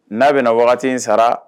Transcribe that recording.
Naa bɛna na waati wagati in sara